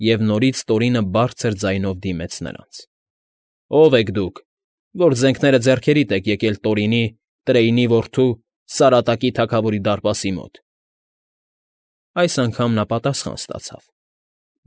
Եվ նորից Տորինը բարձր ձայնով դիմեց նրանց. ֊ Ո՞վ եք դուք, որ զենքը ձեռքներիդ եք եկել Տորինի, Տրեյնի որդու, Սարատակի թագավորի դարպասի մոտ… Այս անգամ նա պատասխան ստացավ։